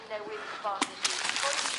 newydd sbon i chi .